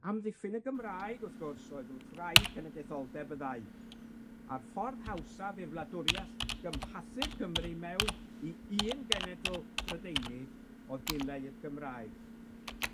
Amddiffyn y Gymraeg wrth gwrs oedd wrth wraidd cenedlaetholdeb y ddau, a'r ffordd hawsaf i'r wladwriath gymhathu'r Gymru mewn i un genedl Brydeini oedd dileu'r Gymraeg.